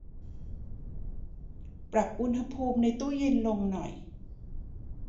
ปรับอุณหภูมิในตู้เย็นลงหน่อย